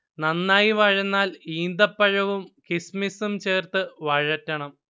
നന്നായി വഴന്നാൽ ഈന്തപ്പഴവും കിസ്മിസും ചേർത്തു വഴറ്റണം